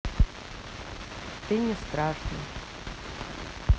ты не страшный